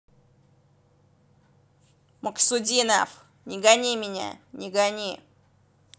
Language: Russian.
максудинов не гони меня не гони